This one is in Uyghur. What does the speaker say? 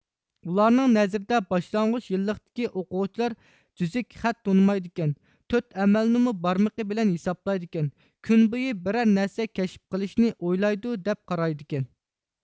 ئۇلارنىڭ نەزىرىدە باشلانغۇچ يىللىقتىكى ئوقۇغۇچىلار تۈزۈك خەت تونۇمايدىكەن تۆت ئەمەلنىمۇ بارمىقى بىلەن ھېسابلايدىكەن كۈنبويى بىرەر نەرسە كەشپ قىلىشنى ئويلايدۇ دەپ قارايدىكەن